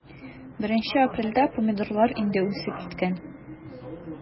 1 апрельдә помидорлар инде үсеп киткән.